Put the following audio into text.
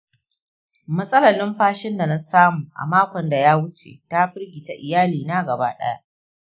matsalar numfashin da na samu a makon da ya wuce ta firgita iyalina gaba ɗaya.